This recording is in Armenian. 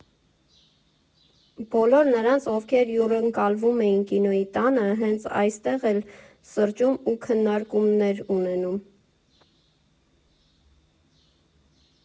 Բոլոր նրանց, ովքեր հյուրընկալվում էին Կինոյի տանը, հենց այստեղ էլ սրճում ու քննարկումներ ունենում։